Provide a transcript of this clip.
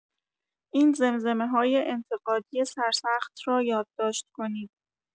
این زمرمه‌های انتقادی سرسخت را یادداشت کنید.